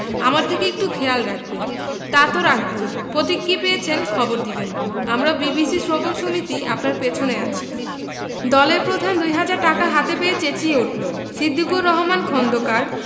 আমার দিকে একটু খেয়াল রাখবে তা তো রাখবোই প্রতীক কি পেয়েছেন খবর দিবেন আমরা বিবিসি শ্রবণ সমিতি আপনার পেছনে আছি দলের প্রধান দু'হাজার টাকা হাতে পেয়ে চেঁচিয়ে ওঠল সিদ্দিকুর রহমান খোন্দকার